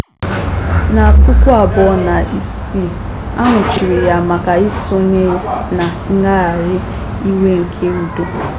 Na 2006, a nwụchiri ya maka isonye na ngagharị iwe nke udo.